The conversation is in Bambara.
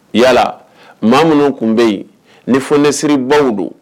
Yala maa munun kun beyen ni funɛsiri baw don